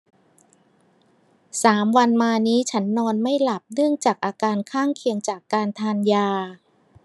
สามวันมานี้ฉันนอนไม่หลับเนื่องจากอาการข้างเคียงจากการทานยา